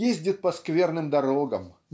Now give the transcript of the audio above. ездит по скверным дорогам